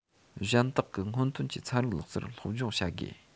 གཞན དག གི སྔོན ཐོན གྱི ཚན རིག ལག རྩལ སློབ སྦྱོང བྱ དགོས